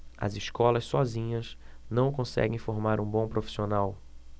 as escolas sozinhas não conseguem formar um bom profissional